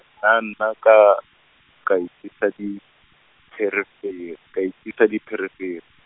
nna ka, ka itesa dipherefere, ka itesa dipherefere.